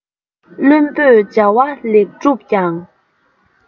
བླུན པོས བྱ བ ལེགས གྲུབ ཀྱང